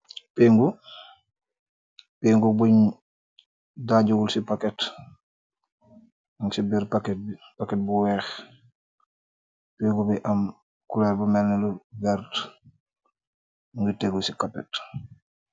Péngu buñ daajugul ci paket. Ci bir paket bu weex pégu bi am culir bu melnilu verte ngi tégul ci kapet.